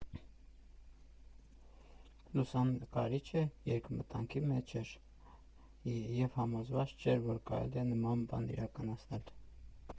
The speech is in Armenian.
Լուսանկարիչը երկմտանքի մեջ էր և համոզված չէր, որ կարելի է նման բան իրականացնել։